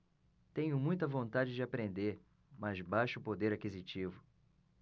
tenho muita vontade de aprender mas baixo poder aquisitivo